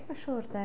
Ma' siŵr, de.